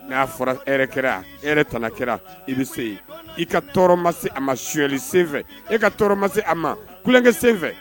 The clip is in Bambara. N'a fɔra kɛra e tana kɛra i bɛ se yen i ka tɔɔrɔ ma se a ma suɲɛli senfɛ e ka tɔɔrɔ ma se a ma kukɛ senfɛ